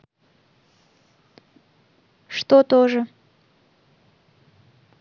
что тоже